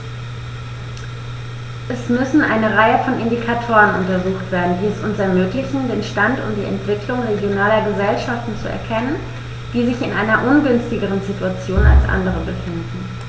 Es müssen eine Reihe von Indikatoren untersucht werden, die es uns ermöglichen, den Stand und die Entwicklung regionaler Gesellschaften zu erkennen, die sich in einer ungünstigeren Situation als andere befinden.